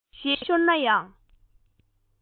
ཞེས སྐད ངན ཤོར ན ཡང